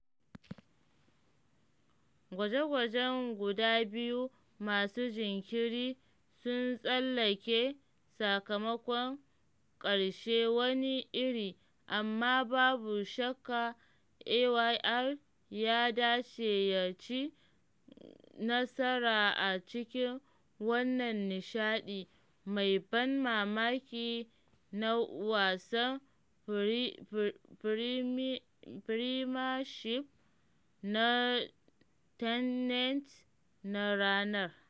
Gwaje-gwaje guda biyu masu jinkiri sun tsallake sakamakon ƙarshe wani iri, amma babu shakka Ayr ya dace ya ci nasara a cikin wannan nishaɗi mai ban mamaki na wasan Premiership na Tennent na ranar.